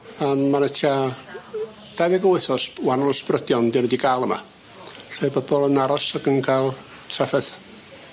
A ma' 'na tua dau ddeg wyth o ysb- wanol ysbrydion 'dyn nw 'di ga'l yma. Rhei bobol yn aros ac yn ga'l trafferth